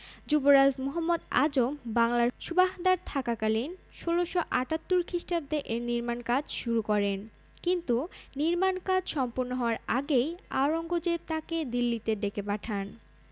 যুবরাজ মুহম্মদ আজম বাংলার সুবাহদার থাকাকালীন ১৬৭৮ খ্রিস্টাব্দে এর নির্মাণ কাজ শুরু করেন কিন্তু নির্মাণ কাজ সম্পন্ন হওয়ার আগেই আওরঙ্গজেব তাঁকে দিল্লিতে ডেকে পাঠান